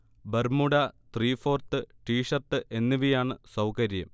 Bermuda, three fourth, T shirt എന്നിവയാണ് സൗകര്യം